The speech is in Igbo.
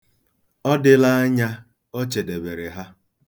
Ọ dịla anya o chedebere ha.